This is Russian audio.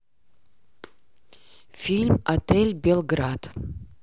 фильм отель белград